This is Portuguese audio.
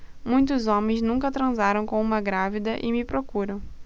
muitos homens nunca transaram com uma grávida e me procuram